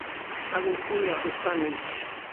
a o'dd 'i'n crio yn Spanish.